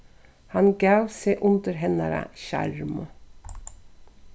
hann gav seg undir hennara sjarmu